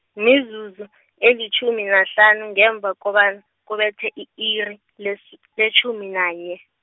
mizuzu, elitjhumi nahlanu ngemva kobana, kubethe i-iri, les- letjhumi nanye.